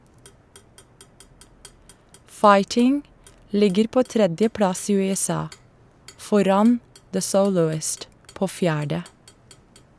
"Fighting" ligger på tredjeplass i USA, foran "The Soloist" på fjerde.